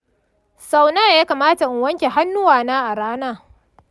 sau nawa ya kamata in wanke hannuwana a rana?